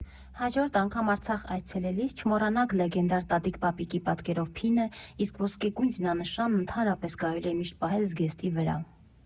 Հաջորդ անգամ Արցախ այցելելիս չմոռանաք լեգենդար Տատիկ֊պապիկի պատկերով փինը, իսկ ոսկեգույն զինանշանն ընդհանրապես կարելի է միշտ պահել զգեստի վրա։